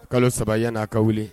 Kalo saba yan n' a ka wuli